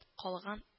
Калган